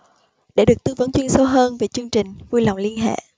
để được tư vấn chuyên sâu hơn về chương trình vui lòng liên hệ